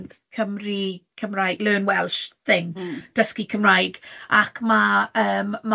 yym Cymru, Cymraeg, Learn Welsh thing, Dysgu Cymraeg, ac ma' yym